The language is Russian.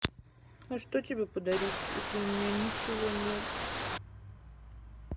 а что тебе подарить если у меня ничего нет